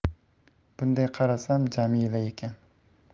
bunday qarasam jamila ekan